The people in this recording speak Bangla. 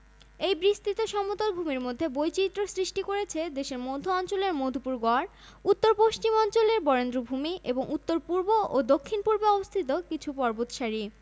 আন্তর্জাতিক স্থলসীমার দৈর্ঘ্য প্রায় ২হাজার ৪০০ কিলোমিটার এর মধ্যে ৯২ শতাংশ ভারতের সঙ্গে এবং বাকি ৮ শতাংশ মায়ানমারের সঙ্গে